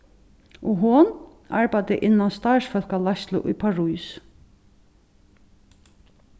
og hon arbeiddi innan starvsfólkaleiðslu í parís